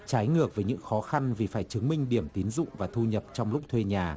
trái ngược với những khó khăn vì phải chứng minh điểm tín dụng và thu nhập trong lúc thuê nhà